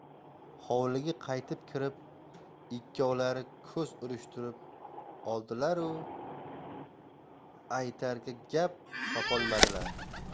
hovliga qaytib kirib ikkovlari ko'z urishtirib oldilaru aytarga gap topolmadilar